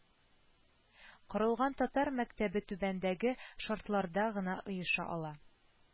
Корылган татар мәктәбе түбәндәге шартларда гына оеша ала: